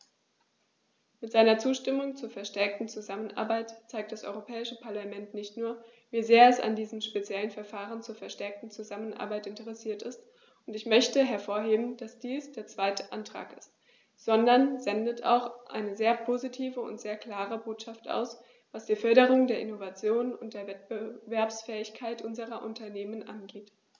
Mit seiner Zustimmung zur verstärkten Zusammenarbeit zeigt das Europäische Parlament nicht nur, wie sehr es an diesem speziellen Verfahren zur verstärkten Zusammenarbeit interessiert ist - und ich möchte hervorheben, dass dies der zweite Antrag ist -, sondern sendet auch eine sehr positive und sehr klare Botschaft aus, was die Förderung der Innovation und der Wettbewerbsfähigkeit unserer Unternehmen angeht.